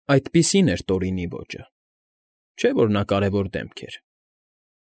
Այդպիսին էր Տորինի ոճը։ Չէ՞ որ նա կարևոր դեմք էր։